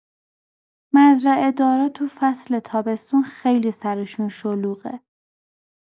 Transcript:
مزرعه‌دارا تو فصل تابستون خیلی سرشون شلوغه.